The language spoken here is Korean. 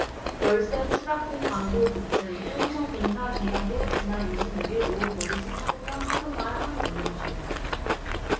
월세 추락 빈 방도 급증 일부선 공사 중단도 지난 이십 육 일 오후 거제시 사등면 사근마을 한 원룸촌